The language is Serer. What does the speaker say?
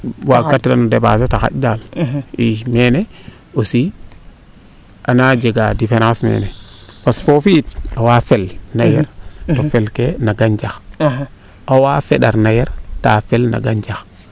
waag ka tiran o depasser te xaƴ daal i meene aussi ana jega difference meene parce que foofi yit awaa fel na yer to felke no gancax awaa fendar no yer ta fel no gancax